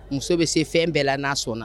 Muso bɛ se fɛn bɛɛ la n'a sɔnna.